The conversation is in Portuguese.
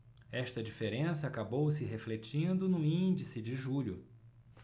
esta diferença acabou se refletindo no índice de julho